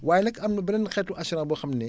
waaye nag am na beneen xeetu assurance boo xam ne